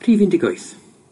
Rhif un deg wyth.